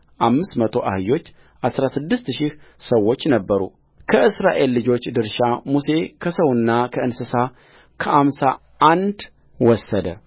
አምስት መቶ አህዮችአሥራ ስድስት ሺህ ሰዎች ነበሩከእስራኤል ልጆች ድርሻ ሙሴ ከሰውና ከእንስሳ ከአምሳ አንድ ወሰደ